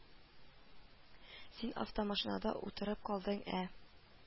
Син автомашинада утырып калдың, ә